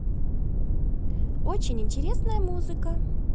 очень интересная музыка